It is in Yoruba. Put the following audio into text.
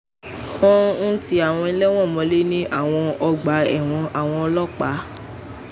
Wọ́n ń ti àwọn ẹlẹ́wọ̀n mọ́lé ní àwọn ọgbà ẹ̀wọ̀n àwọn ọlọ́pàá.